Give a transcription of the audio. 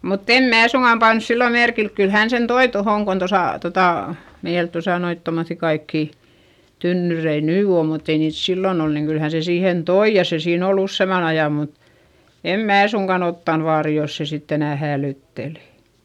mutta en minä suinkaan pannut silloin merkille kyllä hän sen toi tuohon kun tuossa tuota meillä tuossa noita tuommoisia kaikkia tynnyreitä nyt on mutta ei niitä silloin ollut niin kyllä hän sen siihen toi ja se siinä oli useamman ajan mutta en minä suinkaan ottanut vaaria jos se sitten enää häälytteli